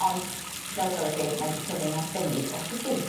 ond fel y gelwch chi mae 'di tyfu'n arbennig o sydyn.